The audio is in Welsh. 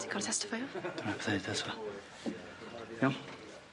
Ti'n gor'o' testifio? 'Dyn nw 'eb ddeud eto. Iawn?